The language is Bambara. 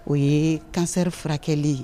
O ye kansɛri furakɛ